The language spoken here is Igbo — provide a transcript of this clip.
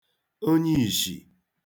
onyiìshì